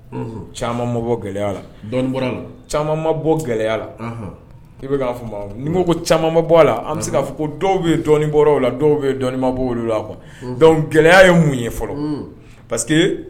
Unhun, caaman ma bɔ gɛlɛyala , dɔɔnin dɔra la, caama ma bɔ gɛlya. la, anhan, i bɛ k'a faamu nin nko caama ma bɔ gɛlɛya , an bɛ se k'a fɔ ko dɔw bɛ yen dɔnnin bɔ la, dɔw dɔnnin bɔ dɔnku gɛlɛya ye mun ye fɔlɔ parce que